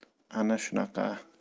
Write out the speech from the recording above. ana shunaqa